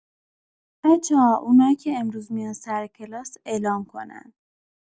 بچه‌ها اونایی که امروز میان سر کلاس اعلام کنن.